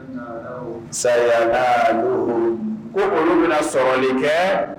Sayaba ko ko olu bɛna sɔɔni kɛ